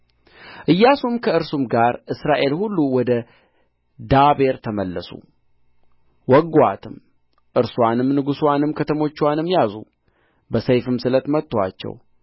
ኢያሱም ከእርሱም ጋር እስራኤል ሁሉ ወደ ዳቤር ተመለሱ ወጉአትም እርስዋንም ንጉሥዋንም ከተሞችዋንም ያዙ በሰይፍም ስለት መቱአቸው